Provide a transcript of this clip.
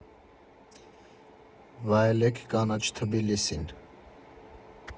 Վայելեք կանաչ Թբիլիսին։